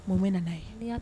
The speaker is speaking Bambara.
Bon bɛ nana'a ye